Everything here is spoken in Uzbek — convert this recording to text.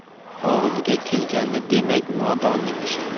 og'ziga kelganni demak nodonning ishi